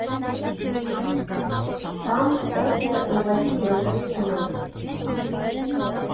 Կա՛մ պետք է ուղղակի երկրից գնանք։